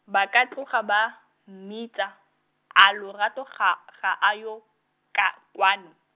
ba ka tloga ba, mmitsa, a Lorato ga, ga a yo, ka kwano?